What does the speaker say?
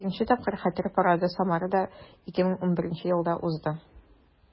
Беренче тапкыр Хәтер парады Самарада 2011 елда узды.